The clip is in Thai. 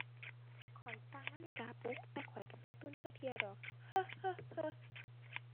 ข้อยตั้งนาฬิกาปลุก แต่ข้อยก็บ่ตื่นจักเทื่อดอก